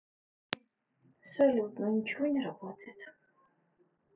салют но ничего не работает